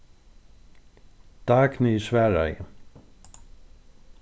dagny svaraði